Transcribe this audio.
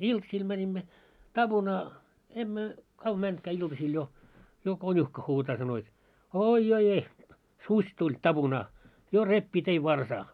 iltaisin menimme tapunaan emme kauan mennytkään iltasilla jo jo konuhka huutaa sanoi jotta oi joi - susi tuli tapunaan jo repii teidän varsaa